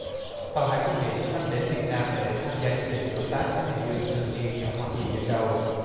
tàu hải quân mỹ sắp đến việt nam để tham gia chương trình đối tác thái bình dương thường niên do hoa kỳ dẫn đầu